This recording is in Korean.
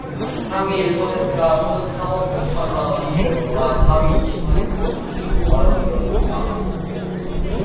상위 일 퍼센트가 소득 삼 억 구천 만원이 될 동안 하위 이십 퍼센트는 소득이 오 만원 늘었습니다